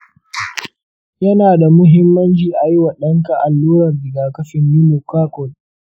yana da muhimmanci a yi wa ɗanka allurar rigakafin pneumococcal.